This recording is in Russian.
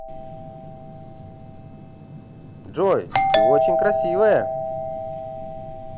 джой ты очень красивая